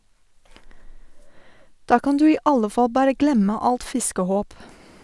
Da kan du i alle fall bare glemme alt fiskehåp.